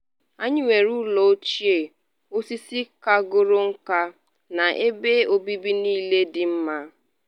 “Anyị nwere ụlọ ochie, osisi kagoro nka na ebe obibi niile dị mma.